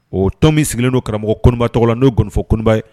O tɔn min sigilennen don karamɔgɔ Koninba tɔgɔ la n'o ye nkɔnin fɔ Koninba ye.